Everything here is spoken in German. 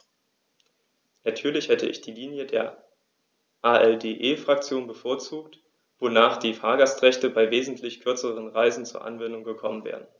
Natürlich hätte ich die Linie der ALDE-Fraktion bevorzugt, wonach die Fahrgastrechte bei wesentlich kürzeren Reisen zur Anwendung gekommen wären.